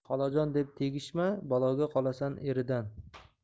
xolajon deb tegishma baloga qolasan eridan